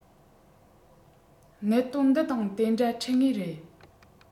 གནད དོན འདི དང དེ འདྲ འཕྲད ངེས རེད